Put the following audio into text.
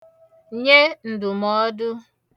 nye ǹdụ̀mọọdụ